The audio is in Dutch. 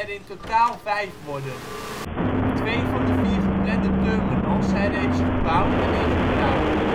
in totaal vijf worden. Twee van de vier geplande terminals zijn reeds gebouwd en in gebruik